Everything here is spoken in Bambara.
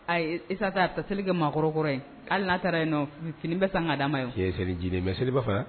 Ayi isa a taelilike maakɔrɔ kɔrɔ ye hali taara yen nɔ fini bɛ san' d' ma ye e seli ji bɛ seliba faga